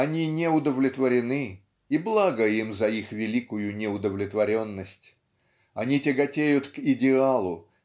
Они не удовлетворены, и благо им за их великую неудовлетворенность! Они тяготеют к идеалу